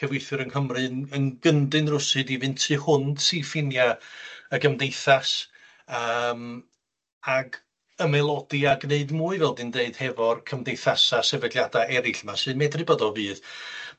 cyfieithwyr yng Nghymru n- yn gyndyn rywsut i fynd tu hwnt i ffinia y gymdeithas yym ag ymaelodi a gneud mwy, fel dwi'n deud, hefo'r cymdeithasa sefydliada eryll 'ma sy'n medru bod o fydd.